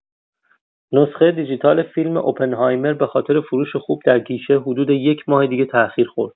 نسخه دیجیتال فیلم اوپنهایمر به‌خاطر فروش خوب در گیشه حدود یکماه دیگه تاخیر خورد.